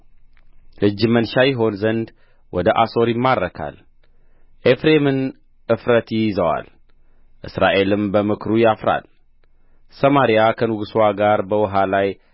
እጅ መንሻ ይሆን ዘንድ ወደ አሦር ይማረካል ኤፍሬምን እፍረት ይይዘዋል እስራኤልም በምክሩ ያፍራል ሰማርያ ከንጉሥዋ ጋር በውኃ ላይ